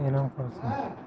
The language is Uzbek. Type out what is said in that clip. o'ymoq tutib enang qolsin